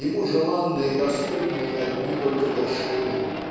ему желанны и доступны одни только вершины.